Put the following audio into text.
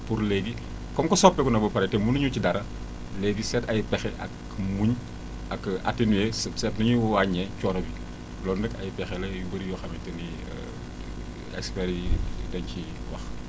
pour léegi comme que soppeeku na ba pare te mënuñu ci dara léegi seet ay pexe ak mën ak atténuer seet nu ñuy wàññee coono bi loolu nag ay pexe la yu bëri yoo xamante ni experts yi dañ ci wax